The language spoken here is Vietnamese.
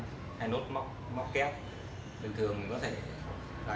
với nốt móc kép có thể đánh như thế này